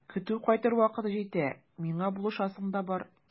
Көтү кайтыр вакыт җитә, миңа булышасың да бар.